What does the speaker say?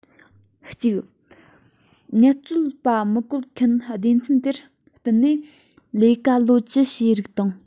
གཅིག ངལ རྩོལ པ མི བཀོལ མཁན སྡེ ཚན དེར བསྟུད མར ལས ཀ ལོ བཅུ བྱས རིགས དང